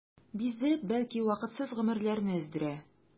Биздереп, бәлки вакытсыз гомерләрне өздерә.